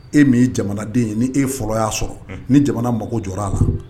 E min ye jamana den ye ni e fɔlɔ y' sɔrɔ ni jamana mako jɔ a la